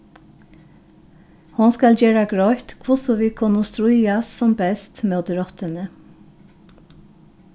hon skal gera greitt hvussu vit kunnu stríðast sum best móti rottuni